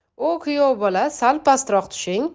o' kuyov bola sal pastroq tushing